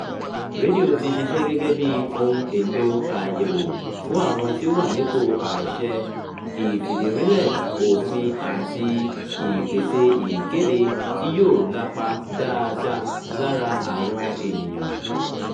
Rédíò ti ṣiṣẹ́ gẹ́gẹ́ bíi ohun èlò àyẹ̀wò fún àwọn tí ó wà nípò àṣẹ, ìfìdírinlẹ̀ òfin àti ìpèsè ìkéde tí yóò lapa dáadáa lára àwọn ènìyàn.